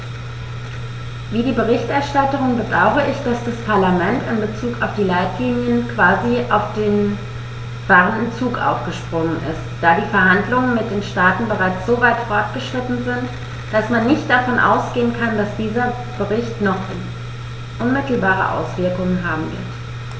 Wie die Berichterstatterin bedaure ich, dass das Parlament in bezug auf die Leitlinien quasi auf den fahrenden Zug aufgesprungen ist, da die Verhandlungen mit den Staaten bereits so weit fortgeschritten sind, dass man nicht davon ausgehen kann, dass dieser Bericht noch unmittelbare Auswirkungen haben wird.